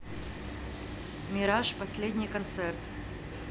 мираж последний концерт